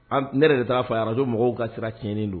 Ne yɛrɛ de t'a radio mɔgɔw ka sira tiɲɛnnen don